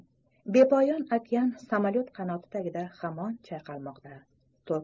bepoyon okean samolyot qanoti tagida hamon chayqalmoqda